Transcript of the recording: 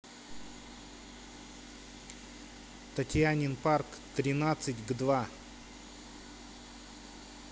татьянин парк тринадцать к два